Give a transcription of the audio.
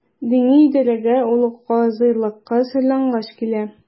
Дини идарәгә ул казыйлыкка сайлангач килә.